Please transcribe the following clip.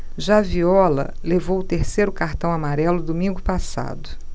já viola levou o terceiro cartão amarelo domingo passado